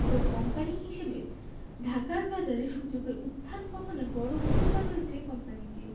একক কোম্পানি হিসেবে ঢাকার বাজারে সূচকের উত্থান পতনে বড় ভূমিকা রয়েছে কোম্পানিটির